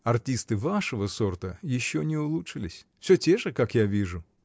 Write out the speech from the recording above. Артисты вашего сорта — еще не улучшились. всё те же, как я вижу.